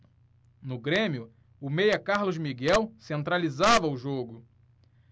no grêmio o meia carlos miguel centralizava o jogo